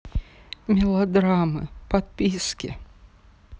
мелодрамы подписки